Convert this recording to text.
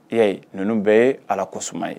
I y'a ye ninnu bɛɛ ye allah kosuma ye.